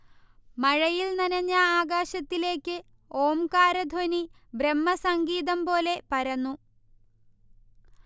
മഴയിൽ നനഞ്ഞ ആകാശത്തിലേക്ക് ഓംകാരധ്വനി ബ്രഹ്മസംഗീതംപോലെ പരന്നു